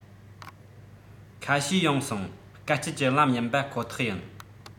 ཁ ཤས ཡང སོང དཀའ སྤྱད ཀྱི ལམ ཡིན པ ཁོ ཐག ཡིན